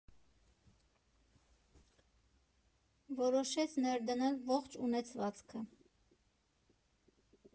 Որոշեց ներդնել ողջ ունեցվածքը։